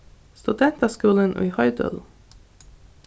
studentaskúlin í hoydølum